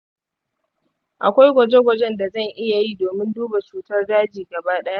akwai gwaje-gwajen da zan iya yi domin duba cutar daji gaba ɗaya?